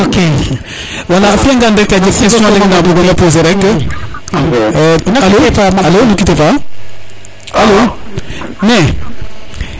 ok wala a fiya ngan rek ka jeg question ke bugo nga poser rek alo ne quitter pas alo me